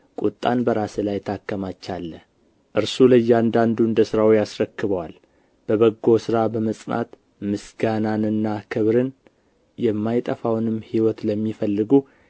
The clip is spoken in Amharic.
ቍጣን በራስህ ላይ ታከማቻለህ እርሱ ለእያንዳንዱ እንደ ሥራው ያስረክበዋል በበጎ ሥራ በመጽናት ምስጋናንና ክብርን የማይጠፋንም ሕይወት ለሚፈልጉ